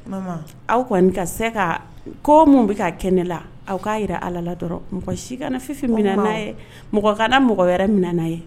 Aw kɔni ka se ka ko min bɛ ka kɛnɛ ne la aw k'a jira alala dɔrɔn mɔgɔ si kana fifin min' ye mɔgɔ kana mɔgɔ wɛrɛ min n'a ye